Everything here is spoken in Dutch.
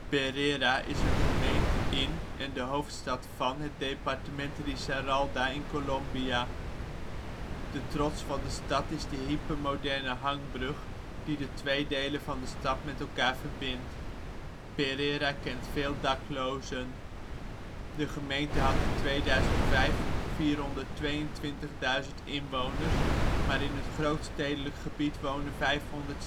is een gemeente in en de hoofdstad van het departement Risaralda in Colombia. De trots van de stad is de hypermoderne hangbrug die de twee delen van de stad met elkaar verbindt. Pereira kent veel daklozen. De gemeente heeft 421.648 inwoners (2005), maar in het grootstedelijk gebied wonen 560.000 mensen. De stad